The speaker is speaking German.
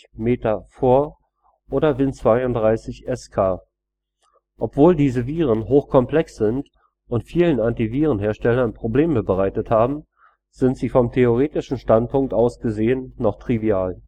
Win32.MetaPHOR oder Win32.SK. Obwohl diese Viren hochkomplex sind und vielen Antiviren-Herstellern Probleme bereitet haben, sind sie vom theoretischen Standpunkt aus gesehen noch trivial